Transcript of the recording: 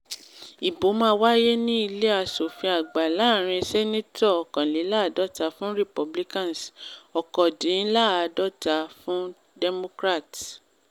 Ibò máa wáyé ní Ilé Aṣòfin Àgbà láàrin Sínátò 51 fún Republicans, 49 fún Democrats.